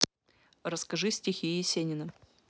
расскажи стихи есенина